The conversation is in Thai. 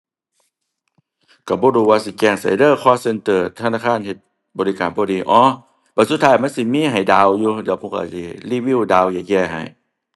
ก็บ่รู้ว่าสิแจ้งไสเด้อ call center ธนาคารเฮ็ดบริการบ่ดี อ๋อ บัดสุดท้ายมันสิมีให้ดาวอยู่ เดี๋ยวผมก็สิรีวิวดาวแย่แย่ให้